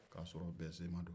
k'a sɔrɔ bɛn sen ma don